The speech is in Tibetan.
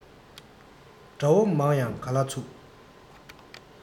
དགྲ བོ མང ཡང ག ལ ཚུགས